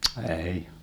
ei